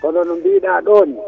kono no mbiɗa ɗo ni